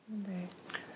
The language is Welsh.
Dim yn deg.